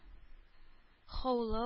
Һаулау